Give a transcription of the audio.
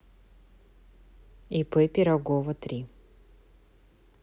ип пирогова три